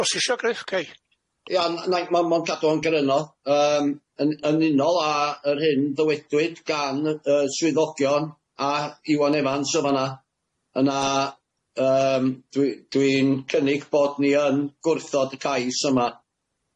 Os isio Griff cei. Iawn na'i ma' mond gadw fo'n grynno yym yn yn unol a yr hyn ddywedwyd gan y y swyddogion a Iwan Evans yn fanna, yna yym dwi dwi'n cynnig bod ni yn gwrthod y cais yma.